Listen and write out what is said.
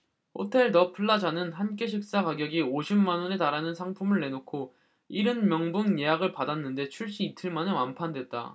호텔 더 플라자는 한 끼 식사 가격이 오십 만원에 달하는 상품을 내놓고 일흔 명분 예약을 받았는데 출시 이틀 만에 완판됐다